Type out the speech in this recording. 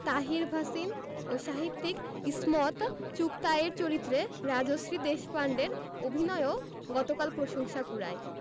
তাহির ভাসিন ও সাহিত্যিক ইসমত চুগতাইয়ের চরিত্রে রাজশ্রী দেশপান্ডের অভিনয়ও গতকাল প্রশংসা কুড়ায়